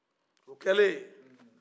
o kɛlen